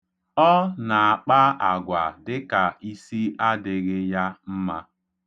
Ọ na-akpa agwa dịka isi adịghị ya mma.